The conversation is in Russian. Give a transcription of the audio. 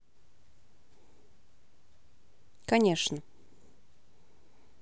конечно